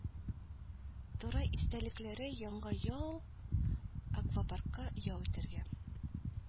Тура истəлеклəре, яңа ял аквапаркта ял итəргə